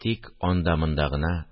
Тик анда-монда гына